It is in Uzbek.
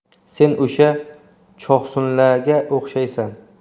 sen o'sha choqsunla ga o'xshaysan